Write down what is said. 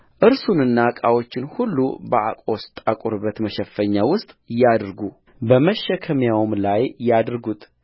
እርሱንና ዕቃዎቹን ሁሉ በአቆስጣ ቁርበት መሸፈኛ ውስጥ ያድርጉ በመሸከሚያውም ላይ ያድርጉት